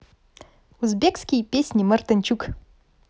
узбекские песни мартынчук